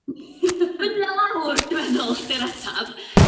Fyny a lawr dwi'n meddwl ydy'r ateb.